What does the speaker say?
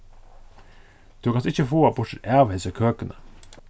tú kanst ikki fáa burturav hesi køkuni